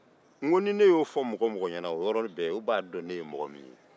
ni y'o fɔ mɔgɔ o mɔgɔ ɲɛna olu b'a dɔn ne ye mɔgɔ min ye o yɔrɔnin bɛɛ